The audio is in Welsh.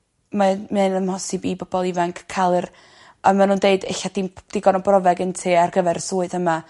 ma' mae yn amhosib i bobol ifanc ca'l yr... A ma'n nw'n deud ella dim p- digon o brofiad gen ti ar gyfer y swydd yma.